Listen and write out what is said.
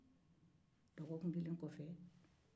dɔgɔkun kelen kɔ fɛ